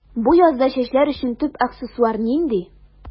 Бу язда чәчләр өчен төп аксессуар нинди?